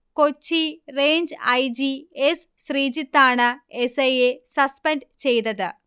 Kochi range I. G. S. ശ്രീജിത്താണ് S. ഐയെ suspend ചെയ്തത്